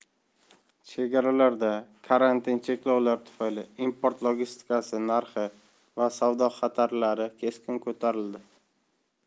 chegaralarda karantin cheklovlari tufayli import logistikasi narxi va savdo xatarlari keskin ko'tarildi